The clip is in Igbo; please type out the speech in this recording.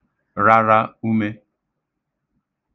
rara ume